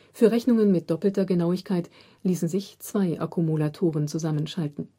Für Rechnungen mit doppelter Genauigkeit ließen sich zwei Akkumulatoren zusammenschalten